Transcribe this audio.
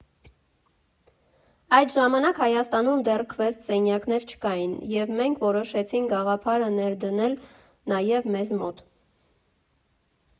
Այդ ժամանակ Հայաստանում դեռ քվեսթ սենյակներ չկային, և մենք որոշեցինք գաղափարը ներդնել նաև մեզ մոտ։